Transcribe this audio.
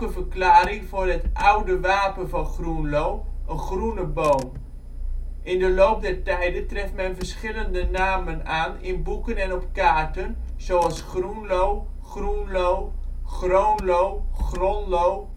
verklaring voor het oude wapen van Groenlo: een groene boom. In de loop der tijden treft men verschillende namen aan in boeken en op kaarten, zoals " Groenlo "," Groenloo "," Groonlo "," Gronlo